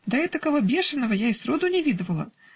Да этакого бешеного я и сроду не видывала.